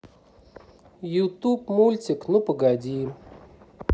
ютуб мультик ну погоди